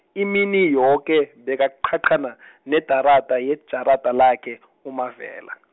imini yoke, bekaqhaqhana , nedarada yejarada lakhe, uMavela.